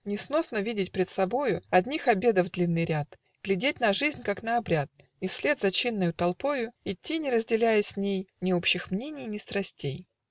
Несносно видеть пред собою Одних обедов длинный ряд, Глядеть на жизнь, как на обряд, И вслед за чинною толпою Идти, не разделяя с ней Ни общих мнений, ни страстей.